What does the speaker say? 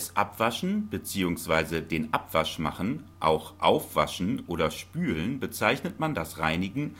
Abwaschen bzw. den Abwasch machen, auch Aufwaschen oder Spülen bezeichnet man das Reinigen